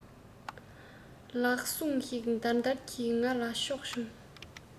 ལག ཟུང ཞིག འདར འདར གྱིས ང ལ ཕྱོགས བྱུང